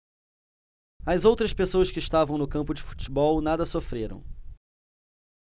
as outras pessoas que estavam no campo de futebol nada sofreram